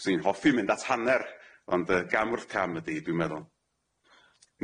'swn i'n hoffi mynd at hanner ond yy gam wrth cam ydi dwi'n meddwl.